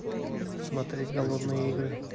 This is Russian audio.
смотреть голодные игры